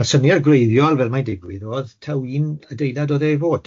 y syniad gwreiddiol fel mae'n digwydd o'dd taw un adeilad o'dd e i fod.